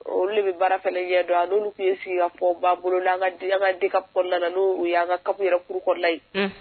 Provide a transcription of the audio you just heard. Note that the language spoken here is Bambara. Olu de bɛ baara fana kɛ don a n'olu tun ye sigikafɔba boloda an ka DCAP kɔrɔla la n'o y'an CAP cours yɛrɛ kɔnɔna ye